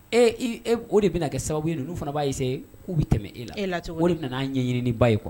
Ee o de bɛna kɛ sababu n fana b'ise k'u bɛ tɛmɛ e la e nana' ɲɛɲini ba ye kuwa